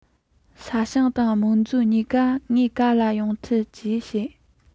ས ཞིང དང རྨོན མཛོ གཉིས ཀ ངས ག ལ ཡོང ཐུབ ཅེས བཤད